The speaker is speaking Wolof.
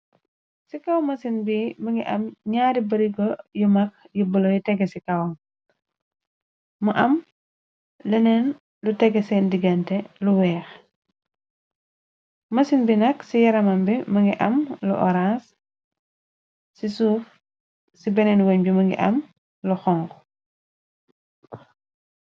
Ci kaw masin bi mëngi am ñyaari barigo yu max yu bulo yu tege ci kawam mu am leneen lu tege seen digante lu weex masin bi nak ci yaramam bi mëngi am lu orange ci suuf ci beneen woñ bi mëngi am lu xonku .